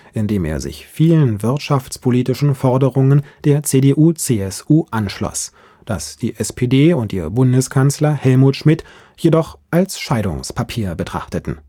in dem er sich vielen wirtschaftspolitischen Forderungen der CDU/CSU anschloss, das die SPD und ihr Bundeskanzler Helmut Schmidt jedoch als „ Scheidungspapier “betrachteten